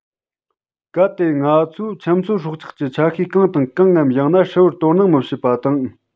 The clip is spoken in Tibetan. གལ ཏེ ང ཚོས ཁྱིམ གསོས སྲོག ཆགས ཀྱི ཆ ཤས གང དང གང ངམ ཡང ན ཧྲིལ བོར དོ སྣང མི བྱེད པ དང